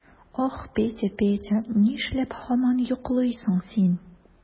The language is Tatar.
Ах, Петя, Петя, нишләп һаман йоклыйсың син?